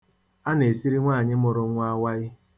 A na-esiri nwaanyị mụrụ nwa awaị.